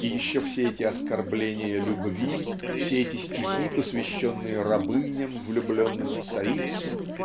и еще все эти оскорбления Любви все эти стихи посвященные рабыням влюбленным в царицу